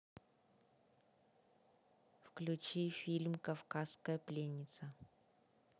включи фильм кавказская пленница